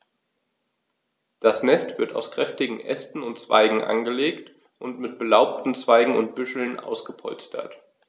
Das Nest wird aus kräftigen Ästen und Zweigen angelegt und mit belaubten Zweigen und Büscheln ausgepolstert.